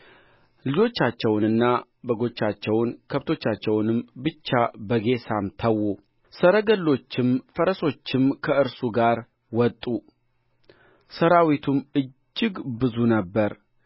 ልጆቻቸውንና በጎቻቸውን ከብቶቻቸውን ብቻ በጌሤም ተዉ ሰረገሎችም ፈረሰኞችም ከእርሱ ጋር ወጡ ሠራዊቱም እጅግ ብዙ ነበረ